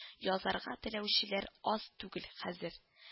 Язарга теләүчеләр аз түгел хәзер